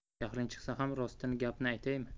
jahling chiqsa ham rost gapni aytaymi